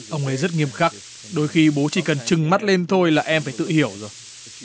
ông ấy rất nghiêm khắc đôi khi bố chỉ cần trừng mắt lên thôi là em phải tự hiểu rồi